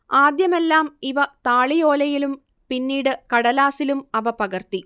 ആദ്യമെല്ലാം ഇവ താളിയോലയിലും പിന്നീട് കടലാസിലും അവ പകർത്തി